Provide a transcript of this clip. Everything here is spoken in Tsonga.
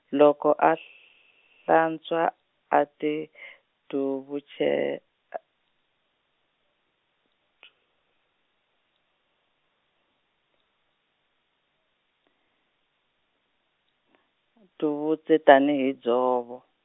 loko a hl- hlantswa o ti , duvutse- , tlhuvutsa tani hi dzovo.